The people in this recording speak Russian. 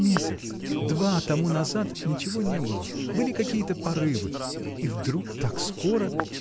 — Месяц-два тому назад ничего не было, были какие-то порывы — и вдруг так скоро.